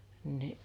niin